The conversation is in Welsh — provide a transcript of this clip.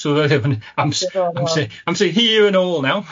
So I'm I'm saying... Diddorol. Aser hir yn nôl naw.